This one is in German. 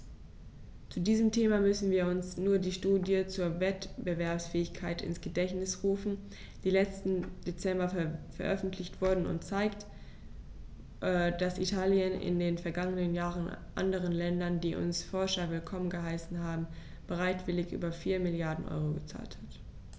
Zu diesem Thema müssen wir uns nur die Studie zur Wettbewerbsfähigkeit ins Gedächtnis rufen, die letzten Dezember veröffentlicht wurde und zeigt, dass Italien in den vergangenen Jahren anderen Ländern, die unsere Forscher willkommen geheißen haben, bereitwillig über 4 Mrd. EUR gezahlt hat.